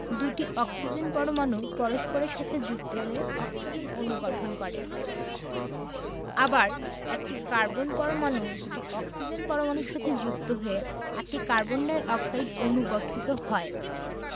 দুটি অক্সিজেন পরমাণু পরস্পরের সাথে যুক্ত হয়ে অক্সিজেন অণু গঠিত হয় আবার একটি কার্বন পরমাণু দুটি অক্সিজেন পরমাণুর সাথে যুক্ত হয়ে একটি কার্বন ডাই অক্সাইড অণু গঠিত হয়